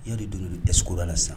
N' de duuru tɛgo la sisan